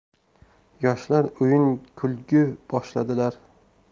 yoshlar o'yin kulgi boshladilar